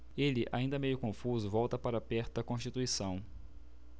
ele ainda meio confuso volta para perto de constituição